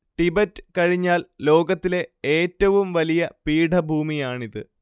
Tibet കഴിഞ്ഞാൽ ലോകത്തിലെ ഏറ്റവും വലിയ പീഠഭൂമിയാണിത്